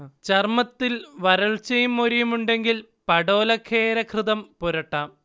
ചർമത്തിൽ വരൾച്ചയും മൊരിയും ഉണ്ടെങ്കിൽ പടോലകേരഘൃതം പുരട്ടാം